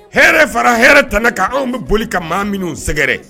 Hɛrɛ fara hɛrɛ tana kan anw be boli ka maa minnu sɛgɛrɛ